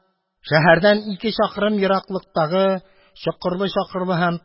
Шәһәрдән ике чакрым ераклыктагы чокыр-чакырлы һәм